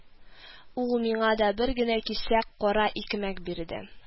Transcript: Ул миңа да бер генә кисәк кара икмәк бирде